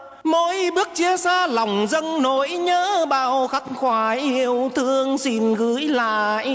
mỗi bước chia xa lòng dâng nỗi nhớ ba ô khắc khoải ưu thương xin gửi lại